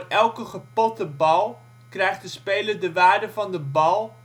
elke gepotte bal krijgt de speler de waarde van de bal